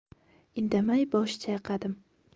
indamay bosh chayqadim